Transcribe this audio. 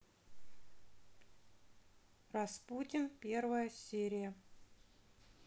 распутин первая серия